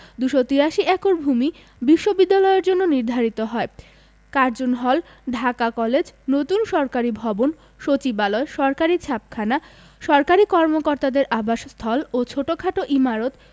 ২৪৩ acre ভূমি বিশ্ববিদ্যালয়ের জন্য নির্ধারিত হয় কার্জন হল ঢাকা কলেজ নতুন সরকারি ভবন সচিবালয় সরকারি ছাপাখানা সরকারি কর্মকর্তাদের আবাসস্থল ও ছোটখাট ইমারত